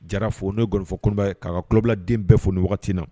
Jara fo n'o ŋfɔ koba' ka kubiladen bɛɛ fo ni wagati na